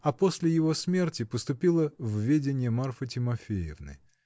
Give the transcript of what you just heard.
а после его смерти поступила в ведение Марфы Тимофеевны.